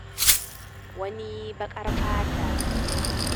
Wani baƙar fata?!